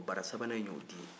bara sabanan in y'o di ye